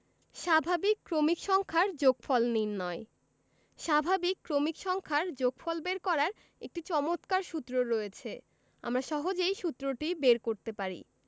স্বাভাবিক ক্রমিক সংখ্যার যোগফল নির্ণয় স্বাভাবিক ক্রমিক সংখ্যার যোগফল বের করার একটি চমৎকার সূত্র রয়েছে আমরা সহজেই সুত্রটি বের করতে পারি